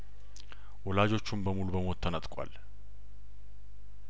ወላጆቹን በሙሉ በሞት ተነጥቋል